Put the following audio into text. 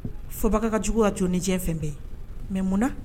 Fobagagajugu ka jo ni jiɲɛ fɛn bɛɛ ye mais mun na